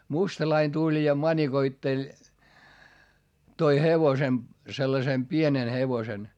mustalainen tuli ja manikoitteli toi hevosen sellaisen pienen hevosen